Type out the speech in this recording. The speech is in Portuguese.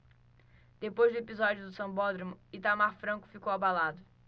depois do episódio do sambódromo itamar franco ficou abalado